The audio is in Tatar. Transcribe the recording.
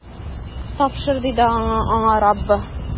Тапшырыр, - диде аңа Раббы.